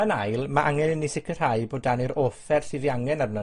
Yn ail, ma' angen i ni sicirhau bo' 'dan ni'r offer sydd 'i angen arnon